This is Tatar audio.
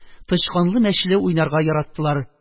Тычканлы-мәчеле уйнарга яраттылар